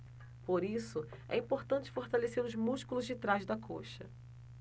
por isso é importante fortalecer os músculos de trás da coxa